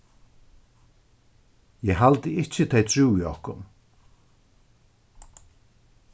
eg haldi ikki tey trúðu okkum